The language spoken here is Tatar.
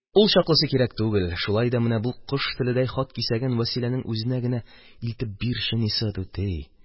Ул чаклысы кирәк түгел, шулай да менә бу кош теледәй хат кисәген Вәсиләнең үзенә генә илтеп бирче, Ниса түти.